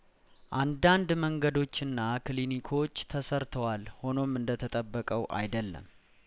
አንዳንድ መንገዶችና ክሊኒኮች ተሰርተዋል ሆኖም እንደተጠበቀው አይደለም